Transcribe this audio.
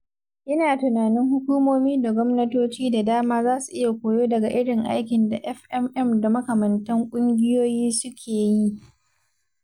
Ina tunanin hukumomi da gwamnatoci da dama za su iya koyo daga irin aikin da FMM da makamantan ƙungiyoyi suke yi.